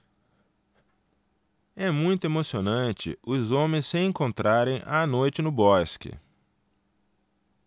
é muito emocionante os homens se encontrarem à noite no bosque